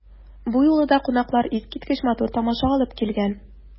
Бу юлы да кунаклар искиткеч матур тамаша алып килгән.